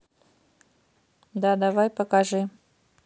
да давай покажи